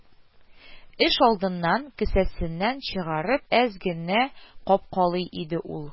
Эш алдыннан, кесәсеннән чыгарып, әз генә капкалый иде ул